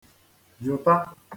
jụ̀ta